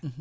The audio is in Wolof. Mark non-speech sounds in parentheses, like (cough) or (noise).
(hesitation) (hesitation)